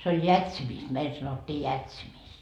se on jätsimistä meillä sanottiin jätsimistä